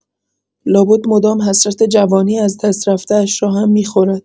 لابد مدام حسرت جوانی از دست رفته‌اش را هم می‌خورد.